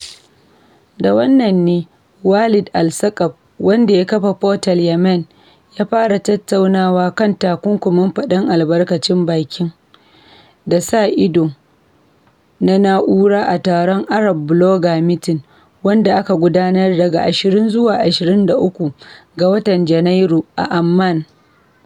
Da wannan ne Walid Al-Saqaf, wanda ya kafa Portal Yemen, ya fara tattaunawa kan takunkumin faɗar albarkacin baki da sa-ido na na'ura a taron Arab Bloggers Meeting #AB14, wanda aka gudanar daga 20 zuwa 23 ga Janairu a Amman.